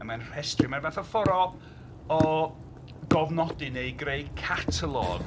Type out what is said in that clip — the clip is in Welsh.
Mae'n rhestru... Mae'n fath o ffordd o... o gofnodi neu greu catalog...